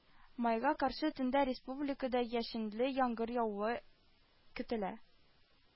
Майга каршы төндә республикада яшенле яңгыр явуы көтелә